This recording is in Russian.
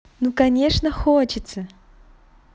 ну конечно хочется